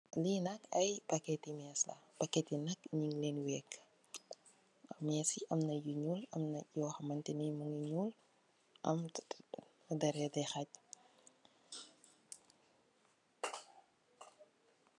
Lii nak aye paketi mees la, paketi nak ñung leen weèk, meesi amna yu ñuul, amna yoo hamantenii mungi ñuul, am dereeti hach.